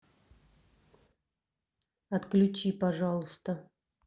отключи пожалуйста